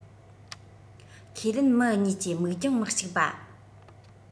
ཁས ལེན མི གཉིས ཀྱི མིག རྒྱང མི གཅིག པ